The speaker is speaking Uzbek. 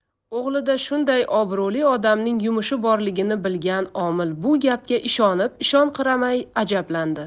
o'g'lida shunday obro'li odamning yumushi borligini bilgan omil bu gapga ishonib ishonqiramay ajablandi